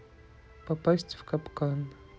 попасть в капкан